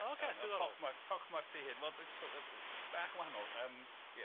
O ocê diddorol. Tochmar- Tochmart ei hyn wel t- so- yy bach yn wahanol yym. Ia.